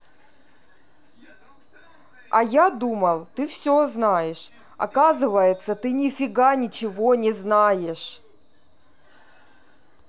а я думал ты все знаешь оказывается ты нифига ничего не знаешь